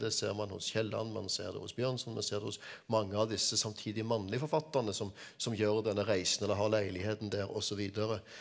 det ser man hos Kielland, man ser det hos Bjørnson, vi ser det hos mange av disse samtidige mannlig forfatterne som som gjør denne reisen eller har leiligheten der og så videre.